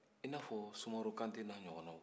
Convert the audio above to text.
i n'a fɔ sumaworo kantɛ n'a ɲɔgɔnnaw